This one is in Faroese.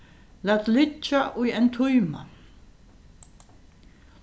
lat liggja í ein tíma